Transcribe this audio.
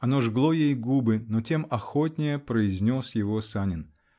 Оно жгло ей губы; но тем охотнее произнес его Санин.